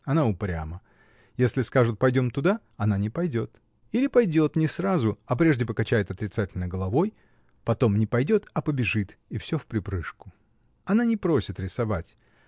Она упряма: если скажут, пойдем туда, она не пойдет, или пойдет не сразу, а прежде покачает отрицательно головой, потом не пойдет, а побежит, и всё вприпрыжку. Она не просит рисовать